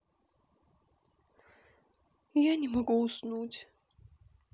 я не могу уснуть